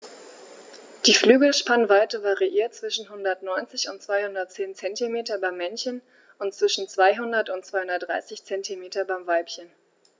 Die Flügelspannweite variiert zwischen 190 und 210 cm beim Männchen und zwischen 200 und 230 cm beim Weibchen.